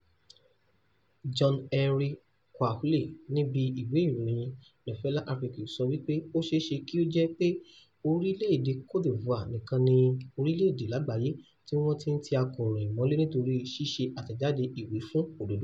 John Henry Kwahulé níbi Ìwé Ìròyìn Nouvelle Afrique sọ wípé ó ṣeéṣe kí ó jẹ́ pé orílẹ̀ èdè Cote d'Ivoire nìkan ni orílẹ̀-èdè lágbàáyé tí wọ́n ti ń tí akọ̀ròyìn mọ́lé nítorí ṣíṣe àtẹ̀jáde ìwífún òdodo.